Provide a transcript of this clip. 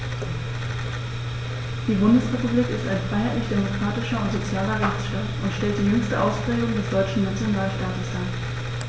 Die Bundesrepublik ist ein freiheitlich-demokratischer und sozialer Rechtsstaat und stellt die jüngste Ausprägung des deutschen Nationalstaates dar.